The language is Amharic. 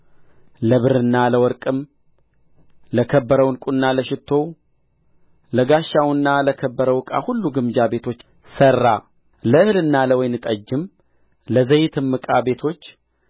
ለብርና ለወርቅም ለከበረው ዕንቍና ለሽቱው ለጋሻውና ለከበረው ዕቃ ሁሉ ግምጃ ቤቶች ሠራ ለእህልና ለወይን ጠጅም ለዘይትም ዕቃ ቤቶች